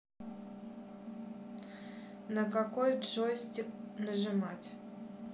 на какой джойстик нажимать